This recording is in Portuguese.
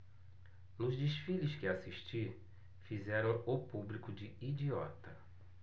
nos desfiles que assisti fizeram o público de idiota